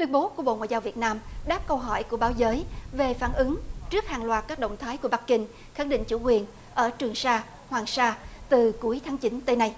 tuyên bố của bộ ngoại giao việt nam đáp câu hỏi của báo giới về phản ứng trước hàng loạt các động thái của bắc kinh khẳng định chủ quyền ở trường sa hoàng sa từ cuối tháng chín tới nay